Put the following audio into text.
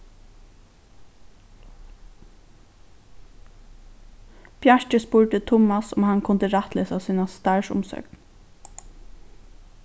bjarki spurdi tummas um hann kundi rættlesa sína starvsumsókn